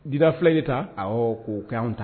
awɔ k'o k'anw ta